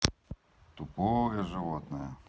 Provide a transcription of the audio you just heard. тупое животное